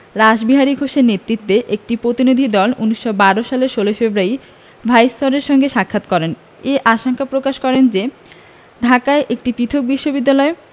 রাসবিহারী ঘোষের নেতৃত্বে একটি প্রতিনিধিদল ১৯১২ সালের ১৬ ফেব্রুয়ারি ভাইসরয়ের সঙ্গে সাক্ষাৎ করে এ আশঙ্কা প্রকাশ করেন যে ঢাকায় একটি পৃথক বিশ্ববিদ্যালয়